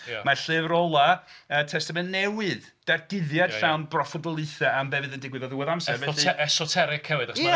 Mae'r llyfr ola y Testament Newydd, Datguddiad, llawn proffwydolaethau o be fydd yn digwydd diwedd amser... Esoteric hefyd... Ie.